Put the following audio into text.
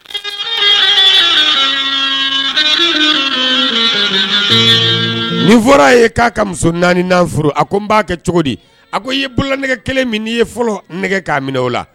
Nin fɔra a ye k'a ka muso 4 nan furu a ko n b'a kɛ cogo di a ko i ye bololanɛgɛ 1 min n'i ye fɔlɔ nɛgɛ k'a minɛ